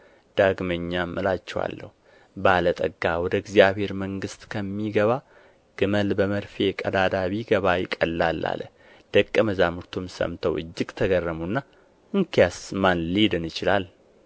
ዳግመኛም እላችኋለሁ ባለጠጋ ወደ እግዚአብሔር መንግሥት ከሚገባ ግመል በመርፌ ቀዳዳ ቢገባ ይቀላል አለ ደቀ መዛሙርቱም ሰምተው እጅግ ተገረሙና እንኪያስ ማን ሊድን ይችላል